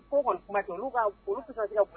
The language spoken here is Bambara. Ko kɔni kuma ka olu